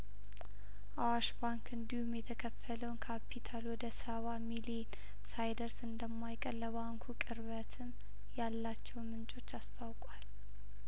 አዋሽ ባንክ እንዲሁም የተከፈለውን ካፒታሉን ወደ ሰባ ሚሊየን ሳያሳድግ እንደማይቀር ለባንኩ ቅርበትን ያላቸው ምንጮች አስታውቋል